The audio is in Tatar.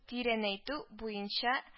Тирәнәйнү буенча